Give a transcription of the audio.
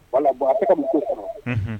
Wala bon a te ka munso sɔrɔ. Unhun